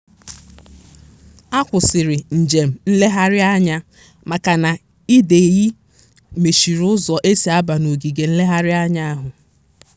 A kwụsịrị njem nleghari anya maka na ịdeyị mechiri ụzọ esi aba n'ogige nlere anya ahụ.